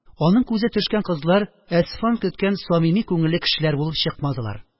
Аның күзе төшкән кызлар Әсфан көткән самими күңелле кешеләр булып чыкмадылар